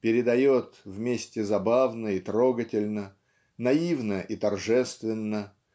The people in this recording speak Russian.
передает вместе забавно и трогательно наивно и торжественно